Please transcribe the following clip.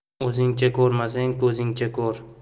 o'zingcha ko'rmasang ko'zingcha ko'r